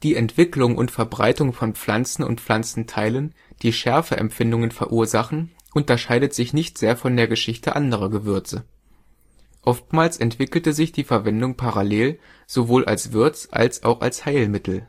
Entwicklung und Verbreitung von Pflanzen und Pflanzenteilen, die Schärfeempfindungen verursachen, unterscheidet sich nicht sehr von der Geschichte anderer Gewürze. Oftmals entwickelte sich die Verwendung parallel sowohl als Würz - als auch als Heilmittel